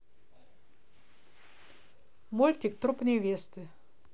мультфильм труп невесты